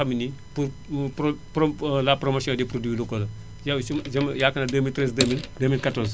pour pour pour la promotion des produits locaux la yooyu su ma yaakaar naa ne 2013/2014